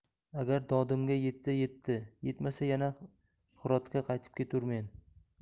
agar dodimga yetsa yetdi yetmasa yana hirotga qaytib keturmen